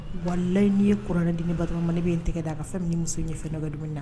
Wa layi n'i yeuranɛden bato ma ne b bɛ in tɛgɛ da' a ka fɛn ni muso ɲɛ na